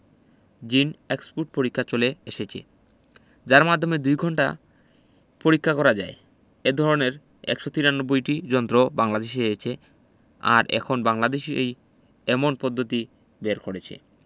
জিন এক্সপোর্ট পরীক্ষা চলে এসেছে যার মাধ্যমে দুই ঘণ্টা পরীক্ষা করা যায় এ ধরনের ১৯৩টি যন্ত্র বাংলাদেশে এসেছে আর এখন বাংলাদেশ ই এমন পদ্ধতি বের করেছে